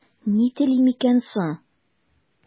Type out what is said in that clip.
Ни телим икән соң?